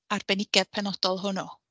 Arbenigedd penodol hwnnw.